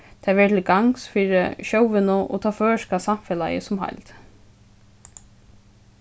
tað verður til gagns fyri sjóvinnu og tað føroyska samfelagið sum heild